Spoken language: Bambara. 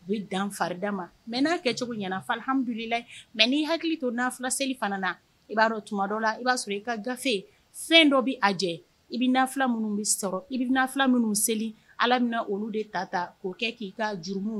U bɛ dan farida ma mai n'a kɛcogo ɲɛna a fɛ alihamudulilayi mais n'i y'i hakili to nafila seli fana na i b'a dɔn tuma dɔ la i b'a sɔrɔ i ka gafe fɛn dɔ bɛ a jɛ i bɛ nafila minnu bɛ sɔrɔ i bɛ nafila minnu seli Ala bɛna olu de ta ta k'o kɛ k'i ka jurumuw